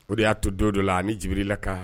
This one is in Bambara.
O de y'a to dondɔla ani Jibirila ka